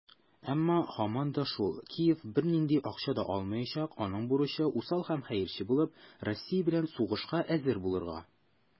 Әмма, һаман да шул, Киев бернинди акча да алмаячак - аның бурычы усал һәм хәерче булып, Россия белән сугышка әзер булырга.